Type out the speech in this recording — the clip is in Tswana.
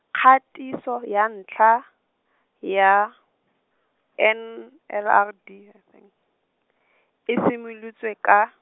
kgatiso ya ntlha, ya, N L R D , e simolotswe ka.